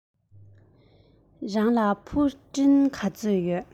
རང ལ ཕུ འདྲེན ག ཚོད ཡོད